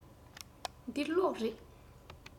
འདི གློག རེད